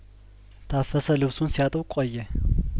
ታፈሰ ልብሱን ሲያጥብ ቆየ